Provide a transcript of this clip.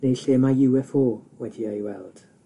neu lle mae yew eff oh wedi ei weld.